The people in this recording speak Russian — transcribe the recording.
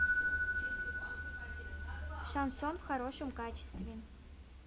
шансон в хорошем качестве